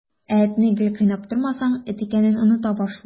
Ә этне гел кыйнап тормасаң, эт икәнен оныта башлый.